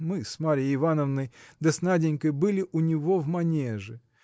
Мы с Марьей Ивановной да с Наденькой были у него в манеже